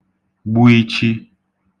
gbū īchī